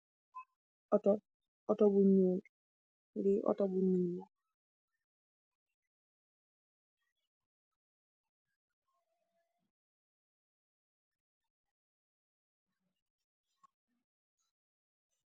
Motor bu nyoul, li otor bu nyeoul laa